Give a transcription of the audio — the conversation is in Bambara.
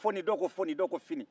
foni foni dɔw ko fini